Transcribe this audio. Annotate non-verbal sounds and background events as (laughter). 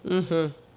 (hesitation) (hesitation)